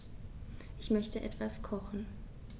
Ich möchte etwas kochen.